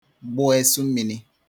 gbụ esụ̄ mmini